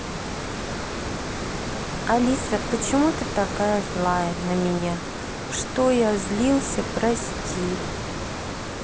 алиса почему ты такая злая на меня что я злился прости